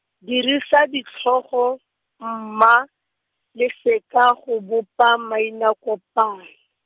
dirisa ditlhogo, mma, le seka go bopa mainakopani.